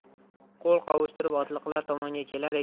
qo'l qovushtirib otliqlar tomonga